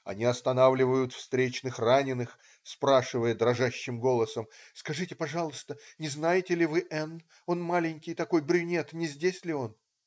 Они останавливают встречных раненых, спрашивая дрожащим голосом: "Скажите, пожалуйста, не знаете ли вы. он маленький такой, брюнет. не здесь ли он?.